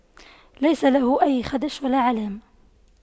ليس له أي خدش ولا علامة